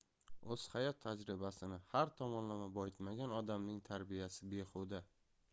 o'z hayot tajribasini har tomonlama boyitmagan odamning tarbiyasi behuda